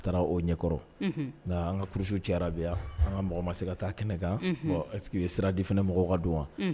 N taara o ɲɛkɔrɔ nka an ka kurusu cɛbiya an ka mɔgɔ ma se ka taa kɛnɛ kan bɛ sira diinɛ mɔgɔ ka don wa